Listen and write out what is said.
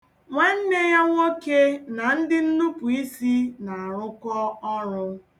Nwanne ya nwoke na ndịnnupuisi na-arụkọ ọrụ.